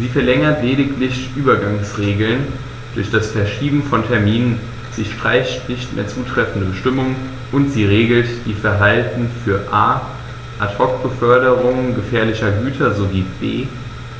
Sie verlängert lediglich Übergangsregeln durch das Verschieben von Terminen, sie streicht nicht mehr zutreffende Bestimmungen, und sie regelt die Verfahren für a) Ad hoc-Beförderungen gefährlicher Güter sowie b)